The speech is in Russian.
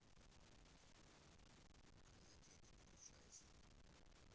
хренатень выключайся